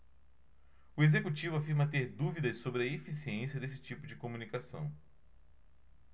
o executivo afirma ter dúvidas sobre a eficiência desse tipo de comunicação